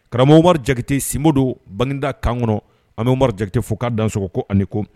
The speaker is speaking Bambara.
Karamɔgɔ wari jatesinmo don bangeda kan kɔnɔ an bɛ warijɛte fo k' dansoɔgɔ ko ani kɔ